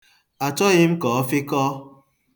Achọghị m ka ọ fịkọọ.